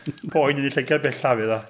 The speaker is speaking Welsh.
Poen yn ei llygad bella fydd o.